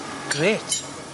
Grêt.